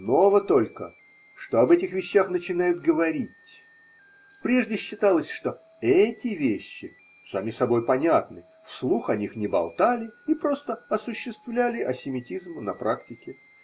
Ново только, что об этих вещах начинают говорить: прежде считалось, что эти вещи сами собою понятны, вслух о них не болтали и просто осуществляли асемитизм на практике.